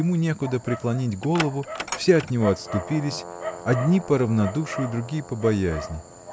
Ему некуда приклонить голову, все от него отступились, одни по равнодушию, другие по боязни.